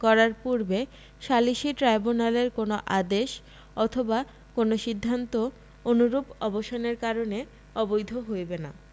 হওয়ার পূর্বে সালিসী ট্রাইব্যুনালের কোন আদেশ অথবা কোন সিদ্ধান্ত অনুরূপ অবসানের কারণে অবৈধ হইবে না